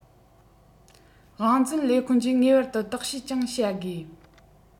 དབང འཛིན ལས ཁུངས ཀྱིས ངེས པར དུ བརྟག དཔྱད ཀྱང བྱ དགོས